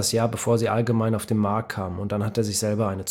Jahr, bevor sie allgemein auf den Markt kamen, und dann hat er sich selber eine zugelegt